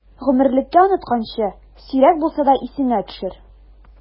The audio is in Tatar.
Гомерлеккә онытканчы, сирәк булса да исеңә төшер!